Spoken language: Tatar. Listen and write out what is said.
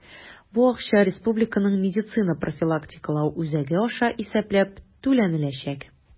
Бу акча Республиканың медицина профилактикалау үзәге аша исәпләп түләнеләчәк.